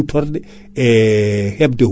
nde aroyta tawa ko walo ngo yawti